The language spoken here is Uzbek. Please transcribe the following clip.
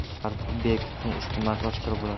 dardni berkitsang isitmasi oshkor qilar